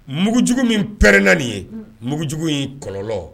Mugujugu min pɛrɛnna nin ye mugujugu in kɔlɔnlɔ